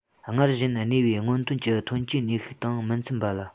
སྔར བཞིན གནས པའི སྔོན ཐོན གྱི ཐོན སྐྱེད ནུས ཤུགས དང མི འཚམ པ ལ